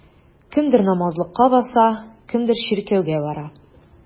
Кемдер намазлыкка басса, кемдер чиркәүгә бара.